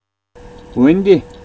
འོན ཏེ